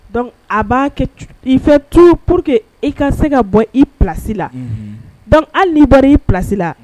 Dɔnkuc a b'a i fɛ tu pour que i ka se ka bɔ ilasi la dɔnku hali bɔra ilasi la